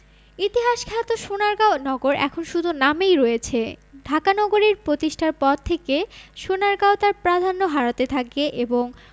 ইতিহাসখ্যাত সোনারগাঁও নগর এখন শুধু নামেই রয়েছে ঢাকা নগরীর প্রতিষ্ঠার পর থেকে সোনারগাঁও তার প্রাধান্য হারাতে থাকে এবং